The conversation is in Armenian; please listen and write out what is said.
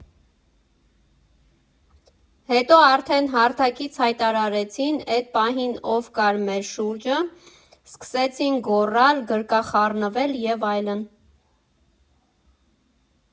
Հետո արդեն հարթակից հայտարարեցին, էդ պահին ով կար մեր շուրջը՝ սկսեցին գոռալ, գրկախառնվել և այլն։